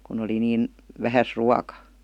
kun oli niin vähässä ruoka